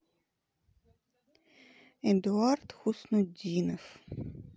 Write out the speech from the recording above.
эдуард хуснутдинов